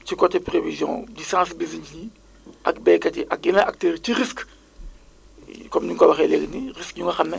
ci côté prévision di sensibiliser nit ñi ak béykat yi ak yeneen acteurs yi ci risque comme nim ko waxee léegi nii risque yu nga xam ne